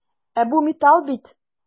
Ә бу металл бит!